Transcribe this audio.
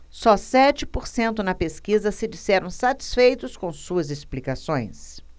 só sete por cento na pesquisa se disseram satisfeitos com suas explicações